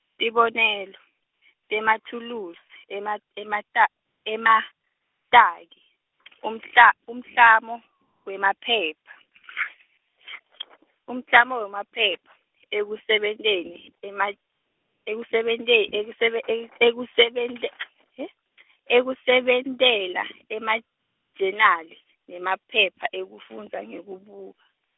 tibonelo, temathuluzi, ema- emata- emataki, umkla- umklamo wemaphepha, umklamo wemaphepha, ekusebenteni ema- ekusebente- ekusebeight- ekusebent- ekusebentela, emajenali, nemaphepha ekufundza, ngekubuka.